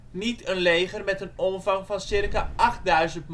niet een leger met een omvang van circa 8000 manschappen